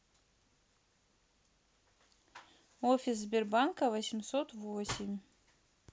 офис сбербанка восемьсот восемь